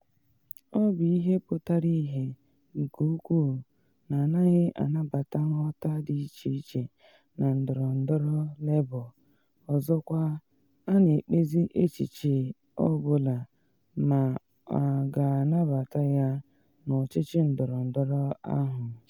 Ọ bụ ihe pụtara ihie nke ukwuu na anaghị anabata nghọta dị iche iche na ndọrọndọrọ Labour, ọzọkwa a na ekpezi echiche ọ bụla ma a ga-anabata ya n’ọchịchị ndọrọndọrọ ahụ.